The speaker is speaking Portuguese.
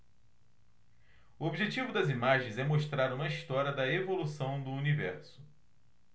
o objetivo das imagens é mostrar uma história da evolução do universo